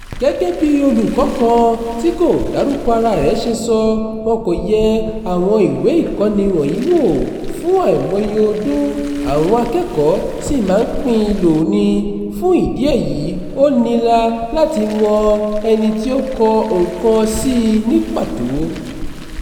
Gẹ́gẹ́ bí olùkọ́ kan tí kò dárúkọ araa rẹ̀ ṣe sọ, wọn kò yẹ àwọn ìwé ìkọ́ni wọ̀nyí wò fún àìmọye ọdún, àwọn akẹ́kọ̀ọ́ sì máa ń pín in lò ni, fún ìdí èyí ó nira láti mọ ẹni tí ó kọ nǹkan sí i ní pàtó.